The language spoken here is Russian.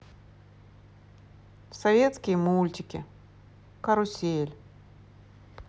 советские мультики карусель